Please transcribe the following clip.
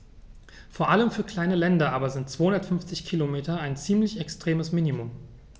Vor allem für kleine Länder aber sind 250 Kilometer ein ziemlich extremes Minimum.